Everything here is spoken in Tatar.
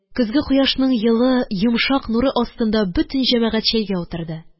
Көзге кояшның йылы, йомшак нуры астында бөтен җәмәгать чәйгә утырды.